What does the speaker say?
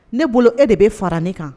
Ne bolo e de bɛ fara ne kan